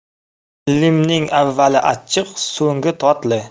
limning avvali achchiq so'ngi totli